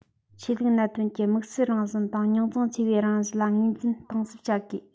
ཆོས ལུགས གནད དོན གྱི དམིགས བསལ རང བཞིན དང རྙོག འཛིང ཆེ བའི རང བཞིན ལ ངོས འཛིན གཏིང ཟབ བྱ དགོས